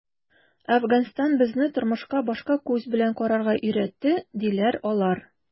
“әфганстан безне тормышка башка күз белән карарга өйрәтте”, - диләр алар.